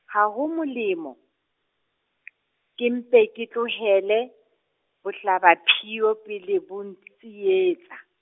ha ho molemo , ke mpe ke tlohele, bohlabaphio pele bo ntsietsa.